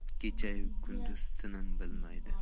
kechayu kunduz tinim bilmaydi